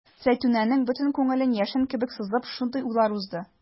Зәйтүнәнең бөтен күңелен яшен кебек сызып шундый уйлар узды.